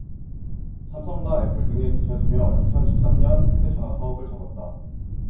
삼성과 애플 등에 뒤처지며 이천 십 삼 년 휴대전화사업을 접었다